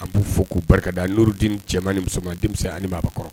An b'u fɔ k'u barikada nden cɛman ni musoman denmisɛnnin ani ba kɔrɔ